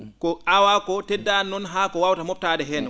ko aawaa koo teddaani noon haa ko waawata moo?taade heen